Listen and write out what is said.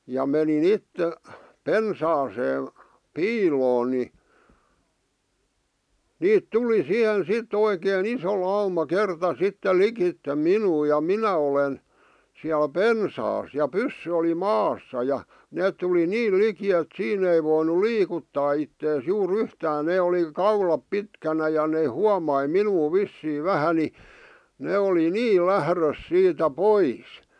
ja menin itse pensaaseen piiloon niin niitä tuli siihen sitten oikein iso lauma kerta sitten likitse minua ja minä olen siellä pensaassa ja pyssy oli maassa ja ne tuli niin liki että siinä ei voinut liikuttaa itseään juuri yhtään ne oli kaulat pitkänä ja ne huomasi minua vissiin vähän niin ne oli niin lähdössä siitä pois